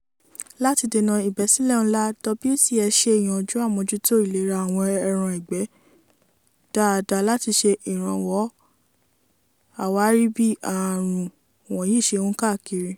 Láti dènà ìbẹ́sílẹ̀ ńlá, WCS ṣe ìyànjú àmójútó ìlera àwọn ẹran ìgbẹ́ dáadáa láti ṣe ìrànwọ́ àwárí bí àrùn wọ̀nyìí ṣe ń káàkiri.